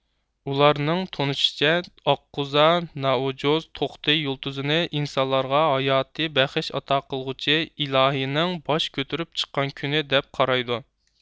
ئۇلارنىڭ تونۇشىچە ئاققۇزا نائوجوز توقتى يۇلتۇزىنى ئىنسانلارغا ھاياتى بەخش ئاتاقىلغۇچى ئىلا ھىنىڭ باش كۆتۈرۈپ چىققان كۈنى دەپ قارايدۇ